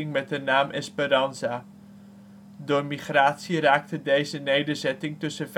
met de naam Esperanza. Door migratie raakte deze nederzetting tussen